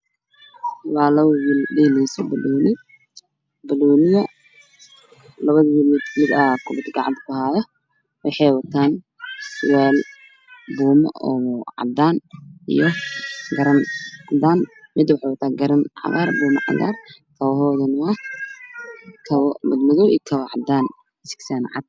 Waxaa ii muuqda wiilal soomaaliyeed oo dheelaha iyo basketball waxa ayna wataan fanaanada cad iyo fanaanada cagaar ah